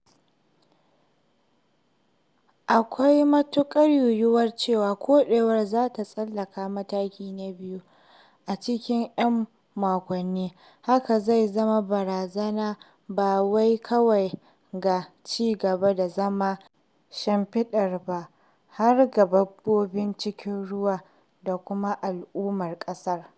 Akwai matuƙar yiwuwar cewa koɗewar za ta tsallaka mataki na biyu a cikin 'yan makonni, hakan zai zama barazana ba wai kawai ga cigaba da zaman shimfiɗar ba har ga dabbobin cikin ruwa da kuma al'ummar ƙasar.